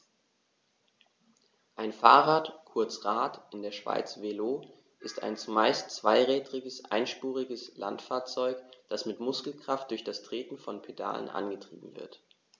Ein Fahrrad, kurz Rad, in der Schweiz Velo, ist ein zumeist zweirädriges einspuriges Landfahrzeug, das mit Muskelkraft durch das Treten von Pedalen angetrieben wird.